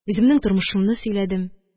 Үземнең тормышымны сөйләдем